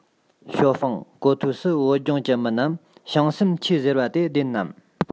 ཞའོ ཧྥུང གོ ཐོས སུ བོད ལྗོངས ཀྱི མི རྣམས བྱང སེམས ཆེ ཟེར བ དེ བདེན ནམ